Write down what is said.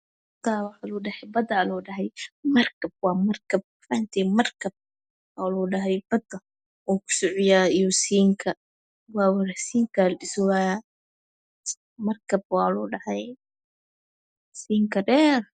Halkan waa bada waxaa marayo markab